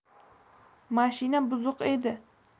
mashina buzuq edi